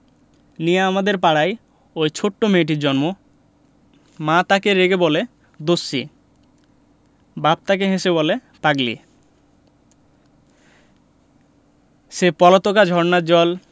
নিয়ে আমাদের পাড়ায় ঐ ছোট মেয়েটির জন্ম মা তাকে রেগে বলে দস্যি বাপ তাকে হেসে বলে পাগলি সে পলাতকা ঝরনার জল